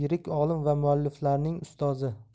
yirik olim va mualliflarning ustozi